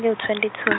-twenty two.